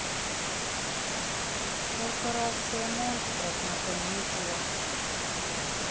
корпорация монстров на каникулах